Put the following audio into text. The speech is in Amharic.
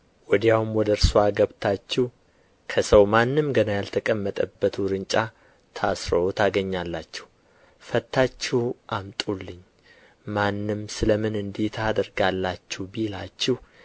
ወዲያውም ወደ እርስዋ ገብታችሁ ከሰው ማንም ገና ያልተቀመጠበት ውርንጫ ታስሮ ታገኛላችሁ ፈትታችሁ አምጡልኝ ማንም ስለ ምን እንዲህ ታደርጋላችሁ ቢላችሁ